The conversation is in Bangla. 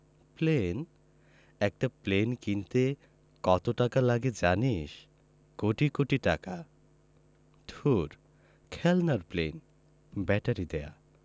প্লেন একটা প্লেন কিনতে কত টাকা লাগে জানিস কোটি কোটি টাকা ধুর খেলনার প্লেন ব্যাটারি দেয়া